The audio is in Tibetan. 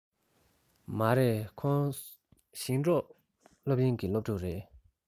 མ རེད ཁོང ཞིང འབྲོག སློབ གླིང གི སློབ ཕྲུག རེད